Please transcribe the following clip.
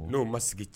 N'o ma sigi c